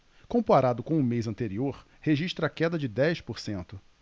comparado com o mês anterior registra queda de dez por cento